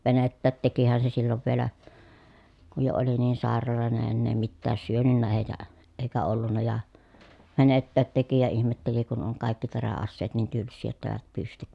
venettäkin tekihän se silloin vielä kun jo oli niin sairaalloinen enää mitään syönyt ja eikä ollut ja venettäkin teki ja ihmetteli kun on kaikki teräaseet niin tylsiä jotta eivät pysty